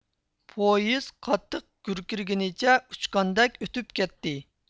پويىز قاتتىق گۈركىرىگىنچە ئۇچقاندەك ئۆتۈپ كەتتى